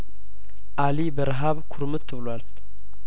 አሊ በረሀብ ኩርምት ብሏል